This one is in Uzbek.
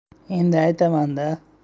endi aytaman da